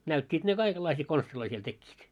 näyttivät ne kaikenlaisia konsteja siellä tekivät